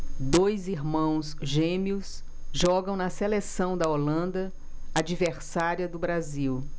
dois irmãos gêmeos jogam na seleção da holanda adversária do brasil